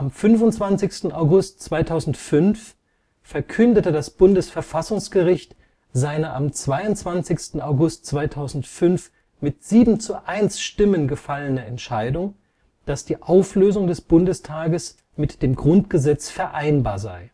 25. August 2005 verkündete das Bundesverfassungsgericht seine am 22. August 2005 mit 7 zu 1 Stimmen gefallene Entscheidung, dass die Auflösung des Bundestages mit dem Grundgesetz vereinbar sei